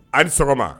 A ni sɔgɔma